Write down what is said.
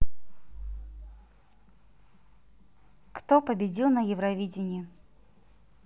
кто победил на евровидение